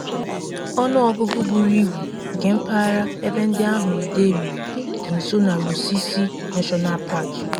Ọnụ ọgụgụ buru ibu nke mpaghara ebe ndị ahụ idei riri dị nso na Rusizi National Park.